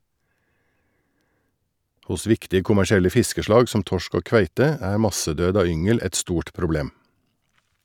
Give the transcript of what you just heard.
Hos viktige kommersielle fiskeslag som torsk og kveite er massedød av yngel et stort problem.